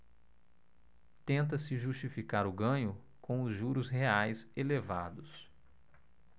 tenta-se justificar o ganho com os juros reais elevados